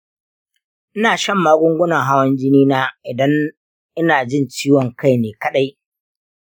ina shan magungunan hawan jini na idan ina jin ciwon kai ne kaɗai.